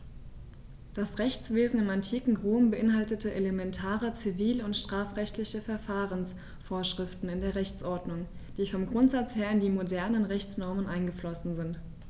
Das Rechtswesen im antiken Rom beinhaltete elementare zivil- und strafrechtliche Verfahrensvorschriften in der Rechtsordnung, die vom Grundsatz her in die modernen Rechtsnormen eingeflossen sind.